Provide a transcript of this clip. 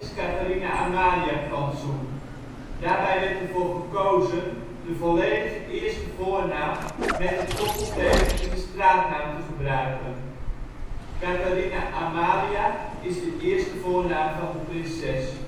Catharina-Amalia Plantsoen. Daarbij werd ervoor gekozen, de volledige eerste voornaam met het koppelteken in de straatnaam te gebruiken. Catharina-Amalia is de eerste voornaam van de prinses